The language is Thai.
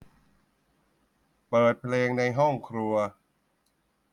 เปิดเพลงในห้องครัว